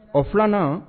Ɔ 2 nan